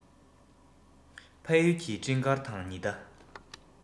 ཕ ཡུལ གྱི སྤྲིན དཀར དང ཉི ཟླ